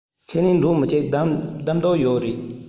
ཁས ལེན འདོད མི གཅིག བདམས དོག པོ ཡོ རེད